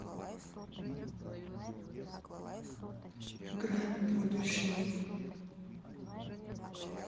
грань будущего